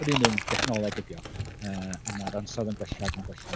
Yr un un dechnoleg ydy o yy a ma'r ansawdd yn gwella ac yn gwella.